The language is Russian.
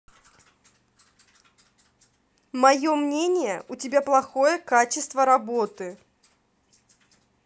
мое мнение у тебя плохое качество работы